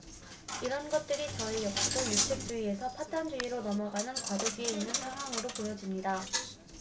이런 것들이 저희 역시도 유책주의에서 파탄주의로 넘어가는 과도기에 있는 상황이라고 보여집니다